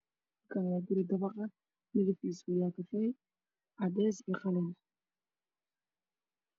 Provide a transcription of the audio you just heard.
Halkan waa guri dabaq ah midabkis yahay kafey cades io qalin